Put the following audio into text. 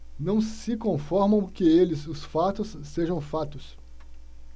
não se conformam que eles os fatos sejam fatos